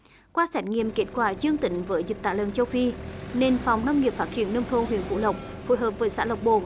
qua xét nghiệm kết quả dương tính với dịch tả lợn châu phi nên phòng nông nghiệp phát triển nông thôn huyện phú lộc phối hợp với xã lộc bổn